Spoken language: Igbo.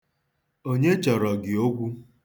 Onye chọrọ gị okwu?